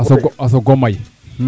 a soogo may